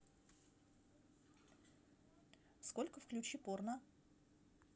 сколько включи порно